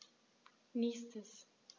Nächstes.